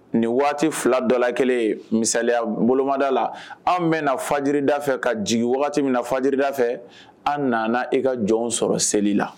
Nin waati fila dɔ la kelen ye misaya bolomada la an bɛna fajida fɛ ka jigin wagati min na fajida fɛ an nana i ka jɔn sɔrɔ seli la